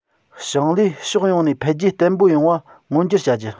ཞིང ལས ཕྱོགས ཡོངས ནས འཕེལ རྒྱས བརྟན པོ ཡོང བ མངོན འགྱུར བྱ རྒྱུ